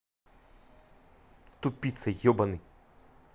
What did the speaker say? тупица ебаный